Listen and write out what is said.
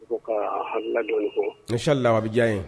Ni sa labijan ye